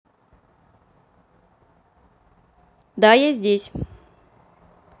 да я здесь